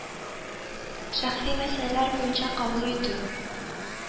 Шәхси мәсьәләләр буенча кабул итү